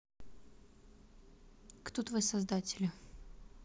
кто твои создатели